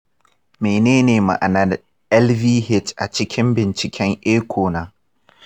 menene ma'anar lvh a cikin binciken echo na?